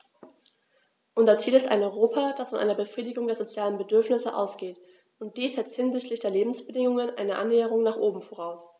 Unser Ziel ist ein Europa, das von einer Befriedigung der sozialen Bedürfnisse ausgeht, und dies setzt hinsichtlich der Lebensbedingungen eine Annäherung nach oben voraus.